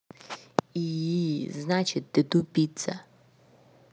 iii значит ты тупица